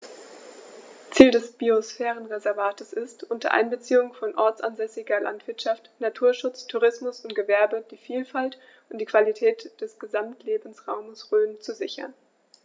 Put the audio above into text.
Ziel dieses Biosphärenreservates ist, unter Einbeziehung von ortsansässiger Landwirtschaft, Naturschutz, Tourismus und Gewerbe die Vielfalt und die Qualität des Gesamtlebensraumes Rhön zu sichern.